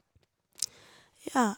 Ja.